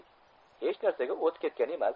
hech narsaga o't ketgan emas